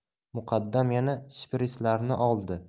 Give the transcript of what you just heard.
muqaddam yana shprislarni oldi